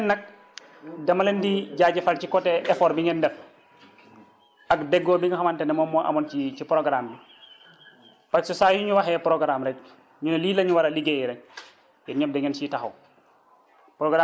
te leneen nag dama leen di jaajëfal ci côté effort bi ngeen def ak déggoo bi nga xamante ne moom moo amoon ci ci programme bi presque saa yu ñu waxee programme rek ñu ne lii la ñu war a liggéeyee ren yéen ñëpp dangeen ciy taxaw